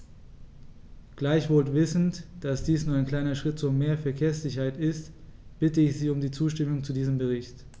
Gleichwohl wissend, dass dies nur ein kleiner Schritt zu mehr Verkehrssicherheit ist, bitte ich Sie um die Zustimmung zu diesem Bericht.